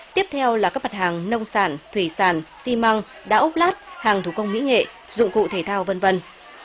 tiếp theo là các mặt hàng nông sản thủy sản xi măng đá ốp lát hàng thủ công mỹ nghệ dụng cụ thể thao vân vân